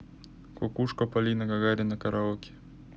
кукушка полина гагарина караоке